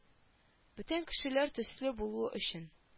Бүтән кешеләр төсле булу өчен